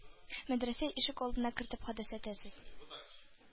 Мәдрәсә ишек алдына кертеп хәдәсләтәсез?